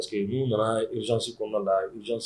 Parce que n'u nana urgence kɔnɔna la urgence